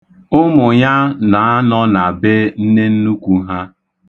Ụmụ ya na-anọ na be nnennukwu ha.